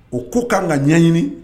O ko k'an ka ɲɛɲini